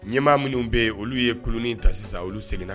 Ɲɛmaa minnu bɛ yen olu ye kolonin ta sisan olu sen